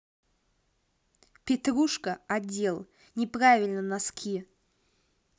петруша отдел неправильно носки